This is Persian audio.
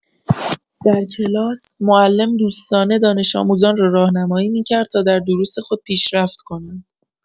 در کلاس، معلم دوستانه دانش‌آموزان را راهنمایی می‌کرد تا در دروس خود پیشرفت کنند.